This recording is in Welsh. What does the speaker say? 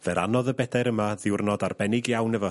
Fe ranodd y bedair yma ddiwrnod arbennig iawn efo...